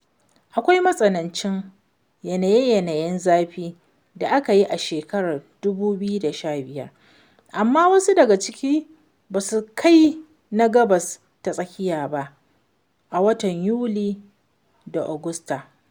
Akwai matsanancin yanaye-yanayen zafi da aka yi a shekarar 2015, amma wasu daga ciki ba su kai na Gabas ta Tsakiya ba a watan Yuli da Agusta.